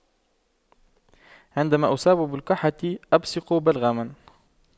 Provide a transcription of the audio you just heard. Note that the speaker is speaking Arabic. عندما أصاب بالكحة ابصق بلغما